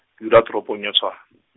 ke dula toropong ya Tshwa- .